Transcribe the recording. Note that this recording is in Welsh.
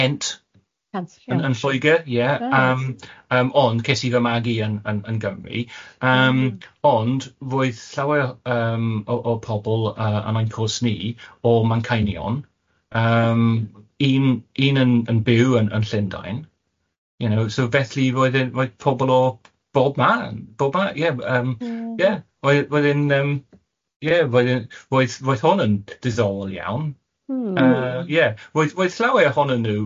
Cant lle? Oh reit. Yn Lloegr ie yym yym ond ces i fy magu yn yn Gymru yym ond roedd llawer yym o o pobol yy yn ain cwrs ni o Manceinion yym un un yn yn byw yn yn Llundain, you know so felly roedd e'n roedd pobol o bob man bob man ie yym ie roedd roedd e'n yym ie roedd e'n roedd roedd hwn yn diddorol iawn... Hm. ...yy ie roedd roedd llawer ohonyn nhw